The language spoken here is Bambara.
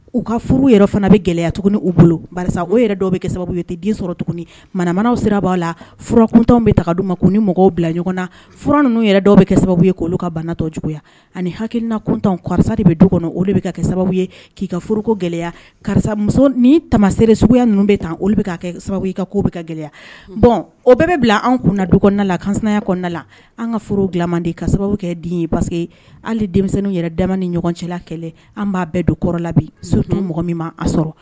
U ka furu yɔrɔ fana bɛ gɛlɛya tugun u bolo karisa o yɛrɛ dɔw bɛ kɛ sababu ye tɛ di sɔrɔ tugun mamanaw sera b' la fura kun bɛ taga di ma ko ni mɔgɔw bila ɲɔgɔn na fura ninnu yɛrɛ dɔw bɛ kɛ sababu ye olu ka banatɔ juguya ani hakilinakun karisa de bɛ du kɔnɔ olu de bɛ ka kɛ sababu ye k'i ka fko gɛlɛya karisa mu ni tama sere suguya ninnu bɛ tan olu bɛ ka kɛ sababu ka ko ka gɛlɛya bɔn o bɛɛ bɛ bila an kun du kɔnɔ la kansanya kɔnɔna la an ka furu dilanman de ka sababu kɛ den ye paseke ye hali denmisɛnnin yɛrɛ daminɛ ni ɲɔgɔn cɛla kɛlɛ an b'a bɛɛ don kɔrɔ la bi sotuma mɔgɔ min ma a sɔrɔ